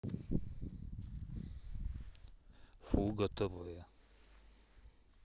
фуга тв